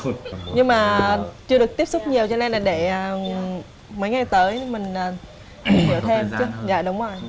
nhưng mà chưa được tiếp xúc nhiều cho nên là để mấy ngày tới mình tìm hiểu thêm chứ dạ đúng rồi